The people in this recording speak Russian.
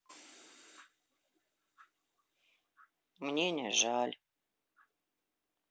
мне не жаль